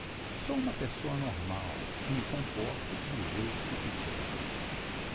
sou homossexual e me comporto do jeito que quiser